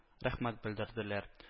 Рәхмәт белдерделәр